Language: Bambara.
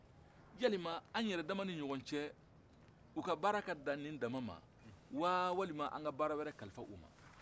yalima an yɛrɛdama ni ɲɔgɔn cɛ u ka baara ka dan ni dama man wa walima an ka baara wɛrɛ kalifa u man